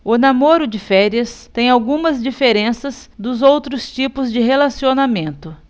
o namoro de férias tem algumas diferenças dos outros tipos de relacionamento